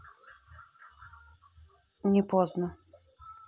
не поздно